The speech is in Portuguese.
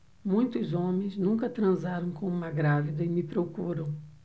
muitos homens nunca transaram com uma grávida e me procuram